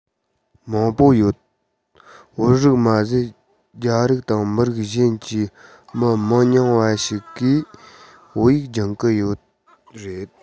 མང པོ ཡོད བོད རིགས མ ཟད རྒྱ རིགས དང མི རིགས གཞན གྱི མི མི ཉུང བ ཞིག གིས བོད ཡིག སྦྱོང གི ཡོད རེད